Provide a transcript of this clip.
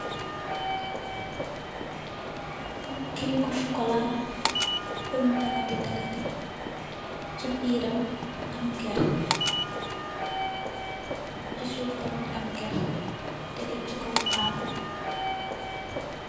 Kegou sukola bun dagate dagate che biram am gerteh che suuf tamin am gerteh tegeh che kaw taabul.